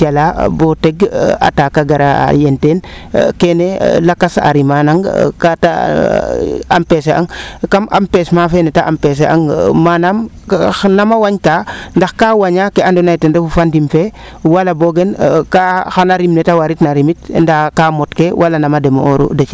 jala bo teg ataque a gar a yen teen keene lakas a rimaa nang kaate empecher ang kam empechement feene te empecher ang manaam nama wañka ndax kaa wañaa ke ando naye ten refu fa ndim fee wala boogen kaa xana rim neete waritna rimit ndaa kaa motkee wala nama demo'ooru Déthié